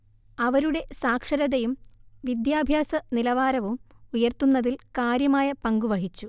അവരുടെ സാക്ഷരതയും വിദ്യാഭ്യാസനിലവാരവും ഉയർത്തുന്നതിൽ കാര്യമായ പങ്കു വഹിച്ചു